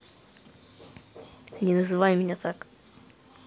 не называй меня так